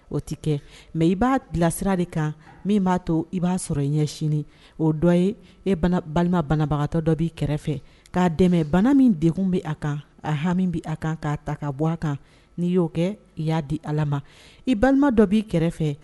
O tɛ kɛ mɛ i b'a dilansira de kan min b'a to i b'a sɔrɔ ɲɛsin o dɔ ye e bana balima banabagatɔ dɔ b'i kɛrɛfɛ k'a dɛmɛ bana min de bɛ a kan a hami bɛ a kan k'a ta ka bɔ a kan n'i y'o kɛ i y'a di ala ma i balima dɔ b'i kɛrɛfɛ